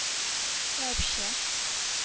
Вообще